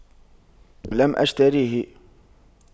لم أشتريه